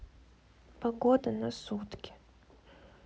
погода на сутки